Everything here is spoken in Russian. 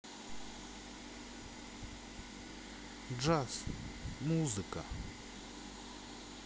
джаз музыка